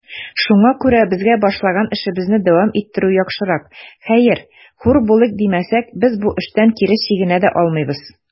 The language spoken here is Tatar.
Шуңа күрә безгә башлаган эшебезне дәвам иттерү яхшырак; хәер, хур булыйк димәсәк, без бу эштән кире чигенә дә алмыйбыз.